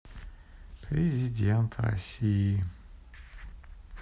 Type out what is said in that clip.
президент россии